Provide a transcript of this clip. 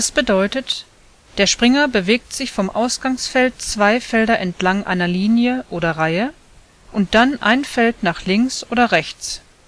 bedeutet: Der Springer bewegt sich vom Ausgangsfeld zwei Felder entlang einer Linie oder Reihe und dann ein Feld nach links oder rechts